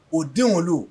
O denw wolo